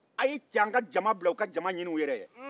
a y'aw jɔ an ka cama bila u ka cama ɲin'u yɛrɛ ye